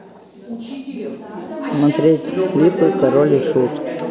смотреть клипы король и шут